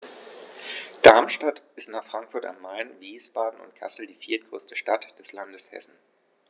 Darmstadt ist nach Frankfurt am Main, Wiesbaden und Kassel die viertgrößte Stadt des Landes Hessen